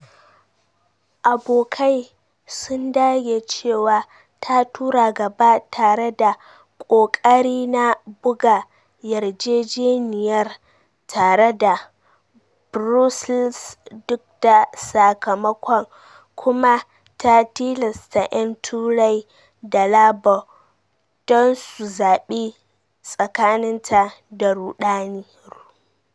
Abokai sun dage cewa ta tura gaba tare da ƙoƙarina buga yarjejeniyar tare da Brussels duk da sakamakon - kuma ta tilasta yan Turai da Labour don su zabi tsakaninta da 'rudani'.